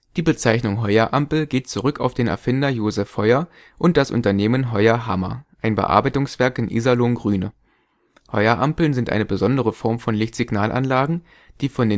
Die Bezeichnung Heuer-Ampel geht zurück auf den Erfinder Josef Heuer und das Unternehmen Heuer-Hammer, ein Bearbeitungswerk in Iserlohn-Grüne. Heuerampeln sind eine besondere Form von Lichtsignalanlagen, die von